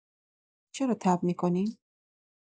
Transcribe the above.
چرا تب می‌کنیم؟